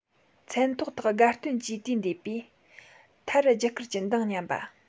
མཚན ཐོག ཐག དགའ སྟོན གྱིས དུས འདས པའི མཐར རྒྱུ སྐར གྱི མདངས ཉམས པ